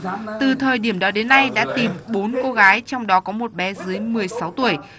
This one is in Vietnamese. từ thời điểm đó đến nay đã tìm bốn cô gái trong đó có một bé dưới mười sáu tuổi